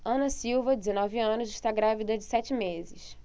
ana silva dezenove anos está grávida de sete meses